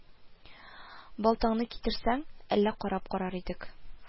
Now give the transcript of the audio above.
Балтаңны китерсәң, әллә карап карар идек